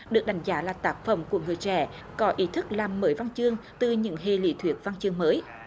được đánh giá là tác phẩm của người trẻ có ý thức làm mới văn chương từ những hệ lụy thuyết văn chương mới